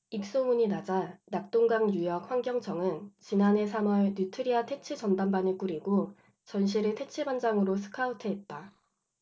입소문이 나자 낙동강유역환경청은 지난해 삼 월 뉴트리아 퇴치전담반을 꾸리고 전씨를 퇴치반장으로 스카우트했다